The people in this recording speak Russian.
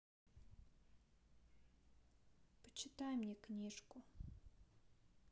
почитай мне книжку